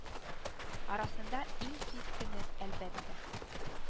Арасында иң кискене, әлбәттә